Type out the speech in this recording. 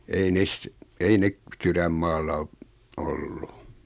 ei ne ei ne sydänmaalla - ollut